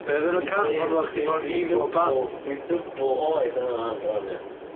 Be' o'dd enw'r cân pan oddach chdi mewn Emo band? Dwi'n dwbl oed yn y .